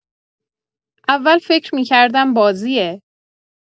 اول فکر می‌کردم بازیه.